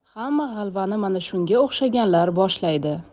hamma g'alvani mana shunga o'xshaganlar boshlaydi